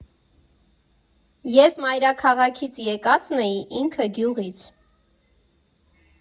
Ես մայրաքաղաքից եկածն էի, ինքը՝ գյուղից։